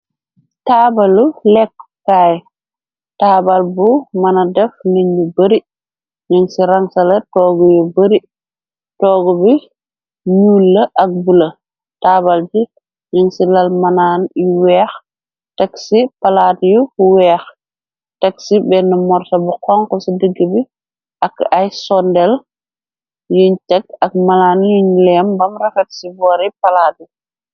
Taabalu lekkukaay, taabal bu mëna def nit ñu bari. Ñun ci ransala toogu yu bari, toogu bi ñuul la ak bula. Taabal bi ñung ci lal manaan yu weeh, tek ci palaat yu weeh, tek ci benn morso bu honku ci digg bi ak ay sondel yuñ teg ak malaan yun leem mbam rafet ci boori palaat yi.